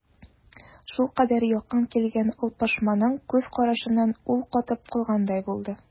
Шулкадәр якын килгән алпамшаның күз карашыннан ул катып калгандай булды.